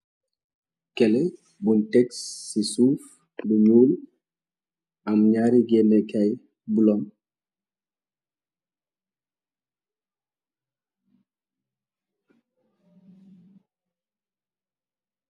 Kele bun tex ci suuf lu ñuul am naari génnekay bulom.